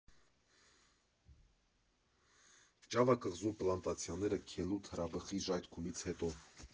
Ճավա կղզու պլանտացիաները Քելուդ հրաբխի ժայթքումից հետո։